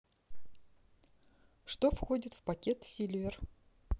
что входит в пакет silver